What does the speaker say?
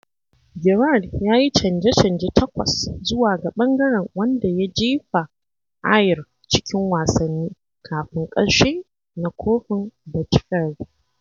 Gerrard ya yi canje-canje takwas zuwa ga ɓangaren wanda ya jefa Ayr cikin wasannin kafin ƙarshe na Kofin Betfred.